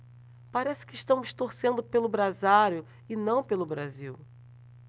parece que estamos torcendo pelo brasário e não pelo brasil